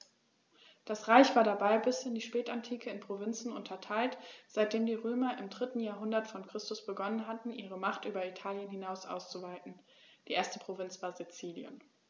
Das Reich war dabei bis in die Spätantike in Provinzen unterteilt, seitdem die Römer im 3. Jahrhundert vor Christus begonnen hatten, ihre Macht über Italien hinaus auszuweiten (die erste Provinz war Sizilien).